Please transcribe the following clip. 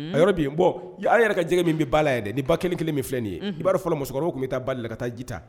Uuuun a yɔrɔ be yen bon i ya an yɛrɛ ka jɛgɛ min be ba la yan dɛ nin ba kelen-kelen min filɛ nin ye unhun i b'a dɔ fɔlɔ musɔkɔrɔbaw tun be taa ba de la ka taa ji ta